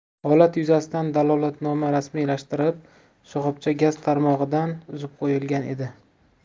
holat yuzasidan dalolatnoma rasmiylashtirib shoxobcha gaz tarmog'ida uzib qo'yilgan edi